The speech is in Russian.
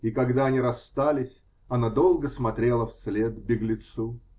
И когда они расстались, она долго смотрела вслед беглецу.